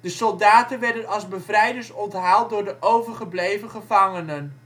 soldaten werden als bevrijders onthaald door de overgebleven gevangenen